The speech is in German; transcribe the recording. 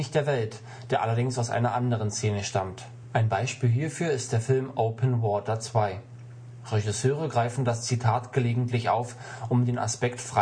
der Welt “, der allerdings aus einer anderen Szene stammt. Ein Beispiel hierfür ist der Film Open Water 2 (2006). Regisseure greifen das Zitat gelegentlich auf, um den Aspekt